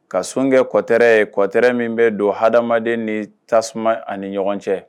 Ka sun kɛ kɔtɛrɛ ye kɔtɛrɛ min bɛ don ha adamadamadamaden ni tasuma ani ɲɔgɔn cɛ